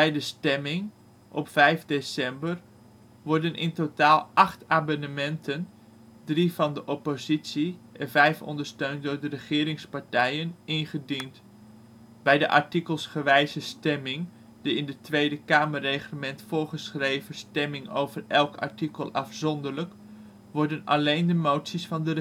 de stemming, op 5 december, worden in totaal acht amendementen, drie van de oppositie en vijf ondersteund door de regeringspartijen, ingediend. Bij de artikelsgewijze stemming, de in het Tweede Kamerreglement voorgeschreven stemming over elk artikel afzonderlijk, worden alleen de moties van de